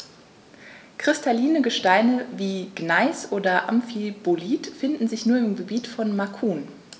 Kristalline Gesteine wie Gneis oder Amphibolit finden sich nur im Gebiet von Macun.